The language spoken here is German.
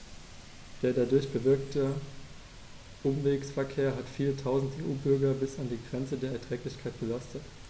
Der dadurch bewirkte Umwegsverkehr hat viele Tausend EU-Bürger bis an die Grenze des Erträglichen belastet.